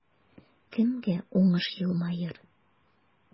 Кемгә уңыш елмаер?